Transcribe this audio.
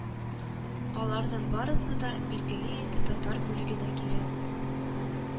Аларның барысы да, билгеле инде, татар бүлегенә килә